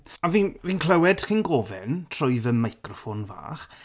A fi'n... fi'n clywed chi'n gofyn trwy fy meicroffon fach...